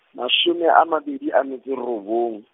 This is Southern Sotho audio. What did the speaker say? mashome a mabedi a metso e robong.